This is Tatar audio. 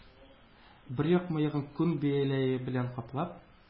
Бер як мыегын күн бияләе белән каплап,